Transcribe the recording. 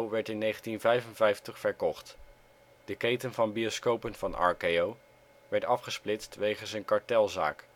werd in 1955 verkocht; de keten van bioscopen van RKO werd afgesplitst wegens een kartelzaak